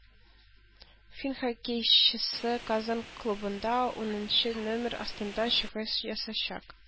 Фин хоккейчысы Казан клубында унынчы номер астында чыгыш ясаячак